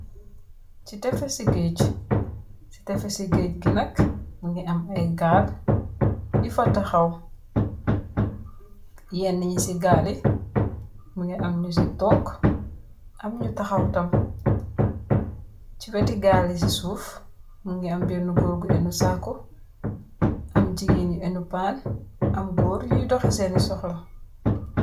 Si tefes si geej, si tefesi geej ngi nak mingi am ay gaal yu fa taxaw, yeene yi si gaal yi mingi am nyu fa toog, am nyu taxaw tam, si weti gaal yu si soof mingi am gena goor gu yenu saku, jigeen yi ennu paan, am goor yi doxxi senni soxla